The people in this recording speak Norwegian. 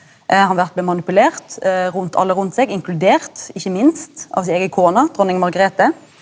han vert manipulert rundt alle rundt seg inkludert ikkje minst av si eiga kone dronning Margerete.